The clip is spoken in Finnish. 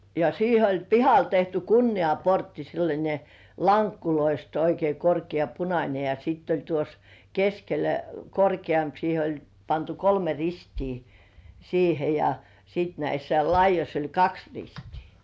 ja siihen oli pihalle tehty kunniaportti sellainen lankuista oikein korkea punainen ja sitten oli tuossa keskellä korkeampi siihen oli pantu kolme ristiä siihen ja sitten näissä laidoissa oli kaksi ristiä